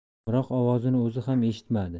biroq ovozini o'zi ham eshitmadi